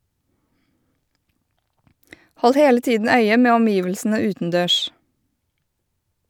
Hold hele tiden øye med omgivelsene utendørs.